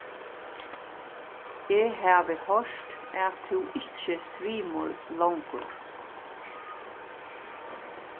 eg havi hoyrt at tú ikki svimur longur